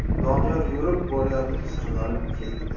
doniyor yurib borayotib sirg'alib ketdi